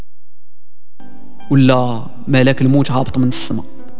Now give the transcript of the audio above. ولا ملك الموت حاط من السماء